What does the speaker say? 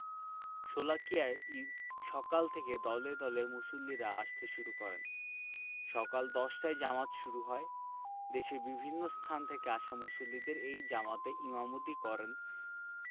শোলাকিয়ায় ঈদ সকাল থেকে দলে দলে মুসল্লিরা আসতে শুরু করেন সকাল ১০টায় জামাত শুরু হয় দেশের বিভিন্ন স্থান থেকে আসা মুসল্লিদের এই জামাতে ইমামতি করেন